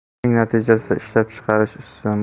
buning natijasida ishlab chiqarish ustidan